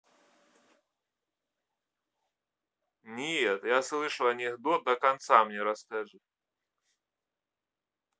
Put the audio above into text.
нет я слышу анекдот до конца мне расскажи